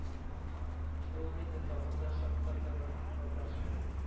Ул, мине тагын да шаккатырып, татарча: